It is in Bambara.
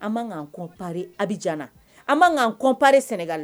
An ma k'an kɔp a bɛ jan an b man k' kɔpri sɛnɛga